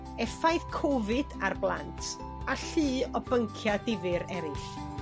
effaith Covid ar blant, a llu o byncia' difyr eryll.